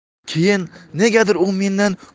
keyin negadir u mendan